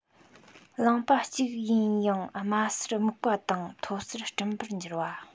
རླངས པ གཅིག ཡིན ཡང དམའ སར སྨུག པ དང མཐོ སར སྤྲིན པར འགྱུར བ